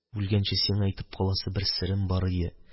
– үлгәнче сиңа әйтеп каласы бер серем бар иде.